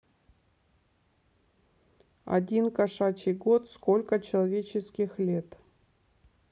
один кошачий год сколько человеческих лет